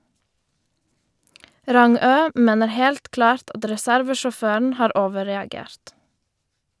Rangø mener helt klart at reservesjåføren har overreagert.